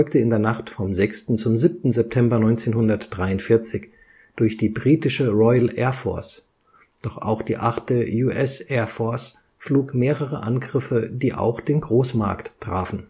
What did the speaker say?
in der Nacht vom 6. zum 7. September 1943 durch die britische Royal Air Force, doch auch die 8. USAAF flog mehrere Angriffe, die auch den Großmarkt trafen